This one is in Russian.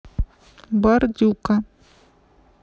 бар дюка